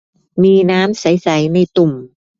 มีน้ำใสใสในตุ่ม